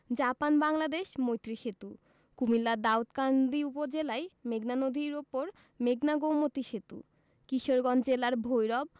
Japan Bangladesh মৈত্রী সেতু কুমিল্লার দাউদকান্দি উপজেলায় মেঘনা নদীর উপর মেঘনা গোমতী সেতু কিশোরগঞ্জ জেলার ভৈরব